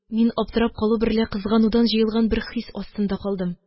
Мин аптырап калу берлә кызганудан җыелган бер хис астында калдым.